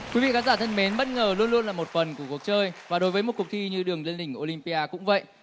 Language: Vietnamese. quý vị khán giả thân mến bất ngờ luôn luôn là một phần của cuộc chơi và đối với một cuộc thi như đường lên đỉnh ô lim pi a cũng vậy